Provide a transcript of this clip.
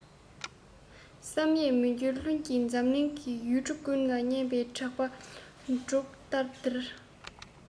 བསམ ཡས མི འགྱུར ལྷུན གྱིས འཛམ གླིང ཡུལ གྲུ ཀུན ཏུ སྙན པའི གྲགས པ འབྲུག ལྟར ལྡིར